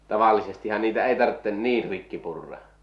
tavallisestihan niitä ei tarvitse niin rikki purra